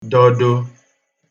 dọdo